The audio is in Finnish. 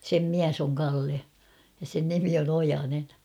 sen mies on Kalle ja sen nimi on Ojanen